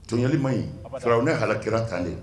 Jɔnyali ma in sira u ne halakiran tan de